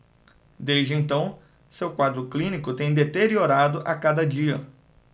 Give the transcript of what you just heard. desde então seu quadro clínico tem deteriorado a cada dia